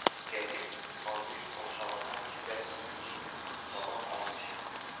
Кәрим казый каушавыннан җөббәсенең җиңен таба алмыйча,